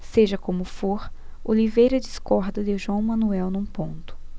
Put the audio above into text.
seja como for oliveira discorda de joão manuel num ponto